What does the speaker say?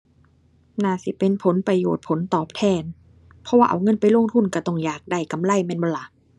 น่าสิเป็นผลประโยชน์ ผลตอบแทน เพราะว่าเอาเงินไปลงทุนก็ต้องอยากได้กำไรแม่นบ่ล่ะ